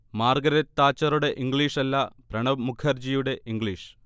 Margaret താച്ചറുടെ ഇംഗ്ലീഷല്ല, പ്രണബ് മുഖർജിയുടെ ഇംഗ്ലീഷ്